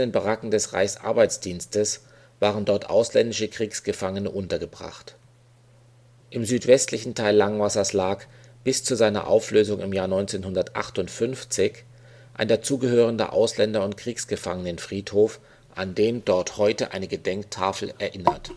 Baracken des Reichsarbeitsdienstes waren dort ausländische Kriegsgefangene untergebracht. Im südwestlichen Teil Langwassers lag, bis zu seiner Auflösung im Jahr 1958, ein dazugehörender Ausländer - und Kriegsgefangenen-Friedhof, an den dort heute eine Gedenktafel erinnert